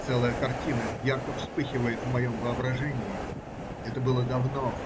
Целая картина ярко вспыхивает в моем воображении. Это было давно